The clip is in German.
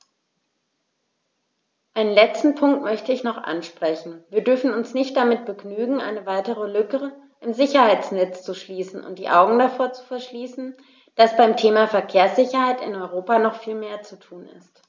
Einen letzten Punkt möchte ich noch ansprechen: Wir dürfen uns nicht damit begnügen, eine weitere Lücke im Sicherheitsnetz zu schließen und die Augen davor zu verschließen, dass beim Thema Verkehrssicherheit in Europa noch viel mehr zu tun ist.